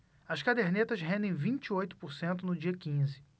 as cadernetas rendem vinte e oito por cento no dia quinze